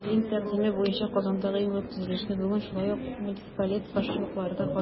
Президент тәкъдиме буенча Казандагы иң зур төзелешне бүген шулай ук ТР муниципалитет башлыклары да карады.